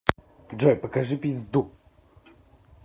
джой покажи пизду